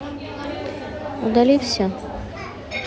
удали все